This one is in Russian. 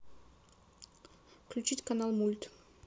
включить канал мульт